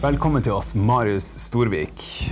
velkommen til oss Marius Storvik.